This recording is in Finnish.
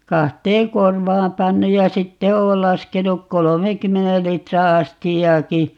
kahteen korvaan pannut ja sitten olen laskenut kolmenkymmenen litran astiaankin